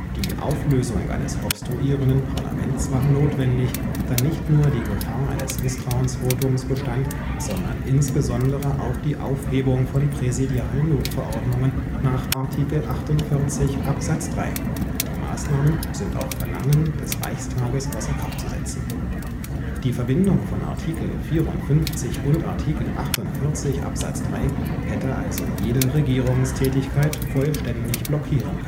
Die Auflösung eines obstruierenden Parlaments war notwendig, da nicht nur die Gefahr eines Misstrauensvotums bestand, sondern insbesondere auch die Aufhebung von präsidialen Notverordnungen nach Artikel 48 Absatz 3 (Die Maßnahmen sind auf Verlangen des Reichstags außer Kraft zu setzen). Die Verbindung von Artikel 54 und Artikel 48 Absatz 3 hätte also jede Regierungstätigkeit vollständig blockieren